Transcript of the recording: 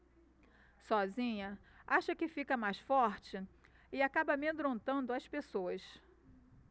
sozinha acha que fica mais forte e acaba amedrontando as pessoas